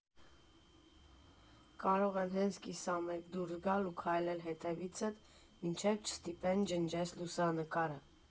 Կարող են հենց կիսամերկ դուրս գալ ու քայլել հետևիցդ, մինչև չստիպեն ջնջես լուսանկարը։